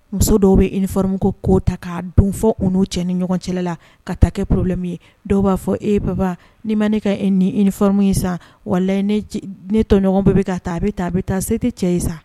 Muso dɔw bɛ i nifamu ko ko ta k' don fɔ u' cɛ ni ɲɔgɔn cɛla la ka taa kɛ porolɛmi ye dɔw b'a fɔ e baba ni ma ne ka e ni nim in san wala ne tɔɲɔgɔn bɛ bɛ ka taa i bɛ taa bɛ taa se tɛ cɛ in san